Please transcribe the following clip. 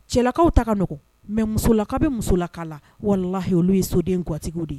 Cɛlakaw ta ka nɔgɔn mais musolaka bɛ musolaka la, walahi, olu ye soden gatigi de ye